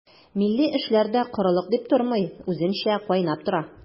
Милли эшләр дә корылык дип тормый, үзенчә кайнап тора.